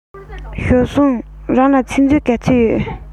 ཞའོ སུའུ རང ལ ཚིག མཛོད ག ཚོད ཡོད